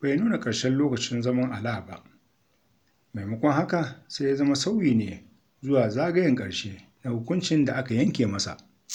bai nuna ƙarshen lokacin zaman Alaa ba, maimakon haka, sai ya zama sauyi ne zuwa zagayen ƙarshe na hukuncin da aka yanke masa.